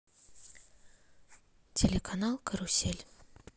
телеканал карусель